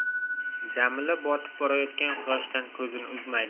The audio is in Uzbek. jamila botib borayotgan quyoshdan ko'zini uzmaydi